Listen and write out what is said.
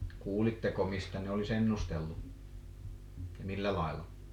kuulitteko mistä ne olisi ennustellut ja millä lailla